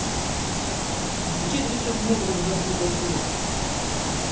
я тебе сейчас морду разобью козел